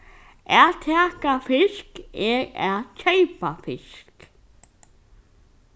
at taka fisk er at keypa fisk